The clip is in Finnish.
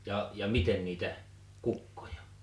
ja ja miten niitä kukkoja